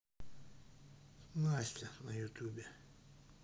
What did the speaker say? настя на ютубе